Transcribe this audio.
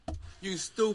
You stupid.